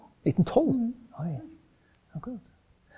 1912 oj akkurat.